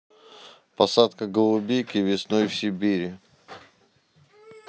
посадка голубики весной в сибири